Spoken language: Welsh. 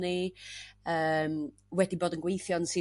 ni yym wedi bod yn gweithio yn sir